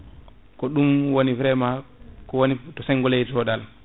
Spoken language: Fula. ko ɗum woni vraiment kowoni to s* o dal